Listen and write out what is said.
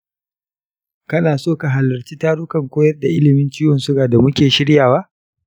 kana so ka halarci tarukan koyar da ilimin ciwon suga da muke shiryawa?